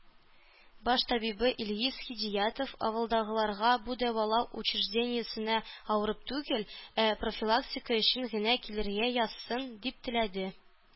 Баш табибы Илгиз Хидиятов авылдагыларга бу дәвалау учреждениесенә авырып түгел, ә профилактика өчен генә килергә язсын, дип теләде.